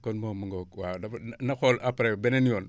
kon moom mu ngoog waaw dafa na xool après beneen yoon